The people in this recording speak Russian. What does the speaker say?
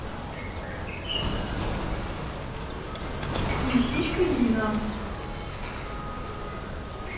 лисичка лина